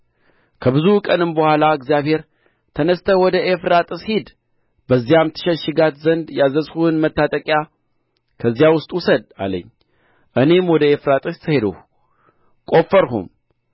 ከብዙ ቀንም በኋላ እግዚአብሔር ተነሥተህ ወደ ኤፍራጥስ ሂድ በዚያም ትሸሽጋት ዘንድ ያዘዝሁህን መታጠቂያ ከዚያ ውስጥ ውሰድ አለኝ እኔም ወደ ኤፍራጥስ ሄድሁ ቆፈርሁም